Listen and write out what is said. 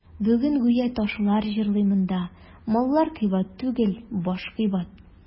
Бүген гүя ташлар җырлый монда: «Маллар кыйбат түгел, баш кыйбат».